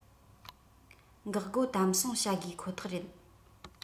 འགག སྒོ དམ སྲུང བྱ དགོས ཁོ ཐག རེད